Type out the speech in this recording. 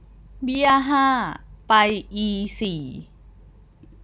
เบี้ยห้าไปอีสี่